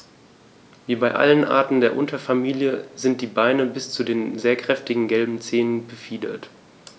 Wie bei allen Arten der Unterfamilie sind die Beine bis zu den sehr kräftigen gelben Zehen befiedert.